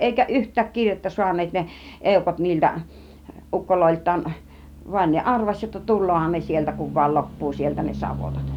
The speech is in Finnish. eikä yhtään kirjettä saaneet ne eukot niiltä ukoiltaan vaan ne arvasi jotta tuleehan ne sieltä kun vain loppuu sieltä ne savotat